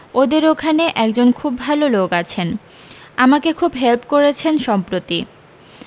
ওদের ওখানে একজন খুব ভালো লোক আছেন আমাকে খুব হেল্প করেছেন সম্প্রতি